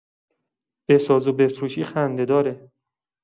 بساز و بفروشی خنده‌داره!